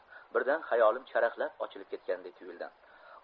birdan hayolim charaqlab ochilib ketganday tuyuldi